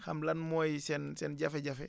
xam lan mooy seen seen jafe-jafe